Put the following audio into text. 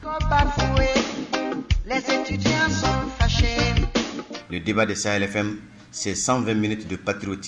Deba de saya yɛrɛ sen san minɛtu don patouruti